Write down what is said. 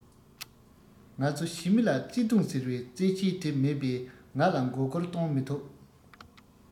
ང ཚོ ཞི མི ལ བརྩེ དུང ཟེར བའི རྩེད ཆས དེ མེད པས ང ལ མགོ སྐོར གཏོང མི ཐུབ